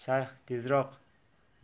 shayx tezroq